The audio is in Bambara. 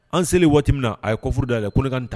An seelen waati min na a ye coffre dayɛlɛ ko ne ka ni ta